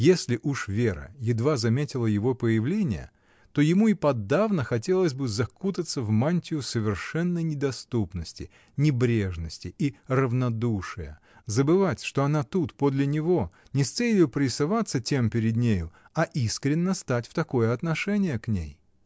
Если уж Вера едва заметила его появление, то ему и подавно хотелось бы закутаться в мантию совершенной недоступности, небрежности и равнодушия, забывать, что она тут, подле него, — не с целию порисоваться тем перед нею, а искренно стать в такое отношение к ней.